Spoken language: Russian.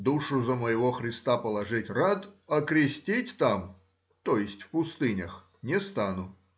— Душу за моего Христа положить рад, а крестить там (то есть в пустынях) не стану.